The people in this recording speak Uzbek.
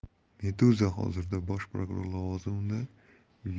meduzahozirda bosh prokuror lavozimida